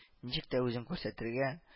Ничек тә үзен күрсәтергә